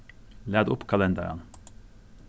lat upp kalendaran